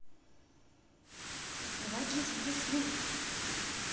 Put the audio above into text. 2gis брюс ли